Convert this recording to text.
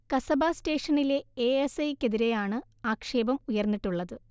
കസബ സ്റ്റേഷനിലെ A S I ക്ക് എതിരെയാണ് ആക്ഷേപം ഉയർന്നിട്ടുള്ളത്